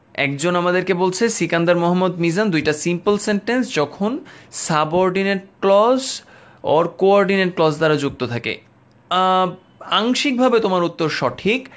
একজন আমাদেরকে বলছে সিকান্দার মোহাম্মদ মিজান দুইটা সিম্পল সেন্টেন্স যখন subordinate clause or coordinate clause দ্বারা যুক্ত থাকে আংশিকভাবে তোমার উত্তর সঠিক